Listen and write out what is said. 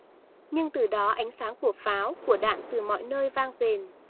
nhưng từ đó ánh sáng của pháo của đạn từ mọi nơi vang rền